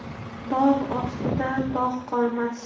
dog' ostida dog' qolmas